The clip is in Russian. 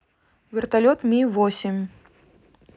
вертолет ми восемь